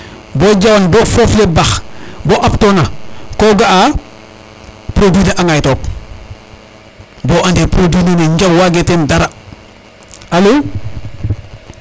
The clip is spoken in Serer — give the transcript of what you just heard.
bo jawan bo fof le baxbo aptona ko ga a produit ne a ŋay took bo o ande produit nene ñaw wage ten dara alo